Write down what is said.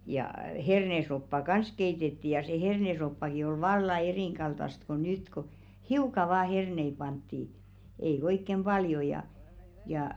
ja hernesoppaa kanssa keitettiin ja se hernesoppakin oli vallan erinkaltaista kuin nyt kun hiukan vain herneitä pantiin ei oikein paljon ja ja